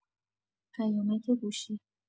پیامک گوشی